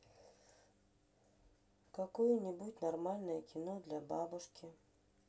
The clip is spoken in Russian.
какое нибудь нормальное кино для бабушки